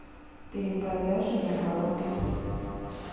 перепродажи на wildberries